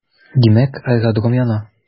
Димәк, аэродром яна.